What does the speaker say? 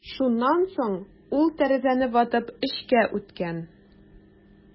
Шуннан соң ул тәрәзәне ватып эчкә үткән.